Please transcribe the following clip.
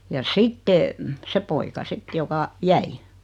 ja sitten se poika sitten joka jäi